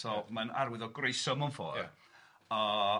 so mae'n arwydd o groeso mewn ffordd... Ia.